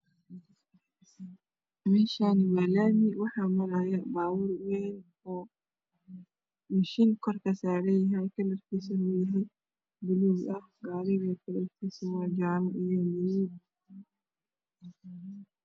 Meshani waa lami waxa marayo baaboor ween oo mashiin korka kasaran yahay kalarkiis yahsy baluug gariga kalarkisan waa jale io madow